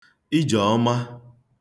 ijè ọma